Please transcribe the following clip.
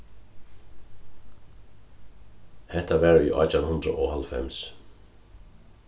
hetta var í átjan hundrað og hálvfems